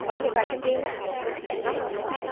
bấm điện thoại xem phim thôi à